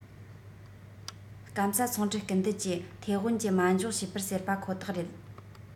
སྐམ ས ཚོང འགྲུལ སྐུལ འདེད ཀྱིས ཐའེ དབན གྱི མ འཇོག བྱས པར ཟེར པ ཁོ ཐག རེད